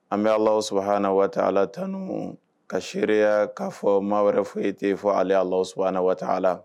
An bɛ alasha ni waa ala tan ka seereya k'a fɔ maa wɛrɛ foyi e ten fɔ ala alas a waa ala